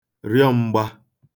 rịọ m̄gba